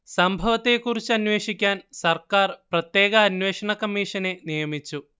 സംഭവത്തെക്കുറിച്ചന്വേഷിക്കാൻ സർക്കാർ പ്രത്യേക അന്വേഷണ കമ്മീഷനെ നിയമിച്ചു